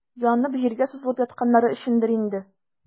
Янып, җиргә сузылып ятканнары өчендер инде.